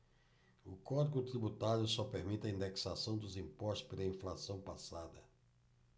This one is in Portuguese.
o código tributário só permite a indexação dos impostos pela inflação passada